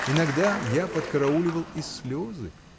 иногда я подкарауливал и слезы.